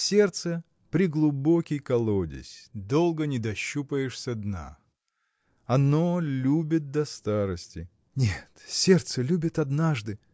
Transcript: Сердце – преглубокий колодезь: долго не дощупаешься дна. Оно любит до старости. – Нет, сердце любит однажды.